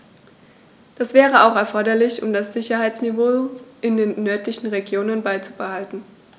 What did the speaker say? Das wäre auch erforderlich, um das Sicherheitsniveau in den nördlichen Regionen beizubehalten.